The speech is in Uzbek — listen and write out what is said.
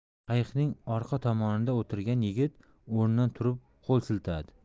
qayiqning orqa tomonida o'tirgan yigit o'rnidan turib qo'l siltadi